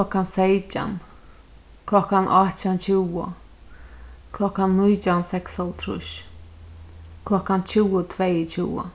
klokkan seytjan klokkan átjan tjúgu klokkan nítjan seksoghálvtrýss klokkan tjúgu tveyogtjúgu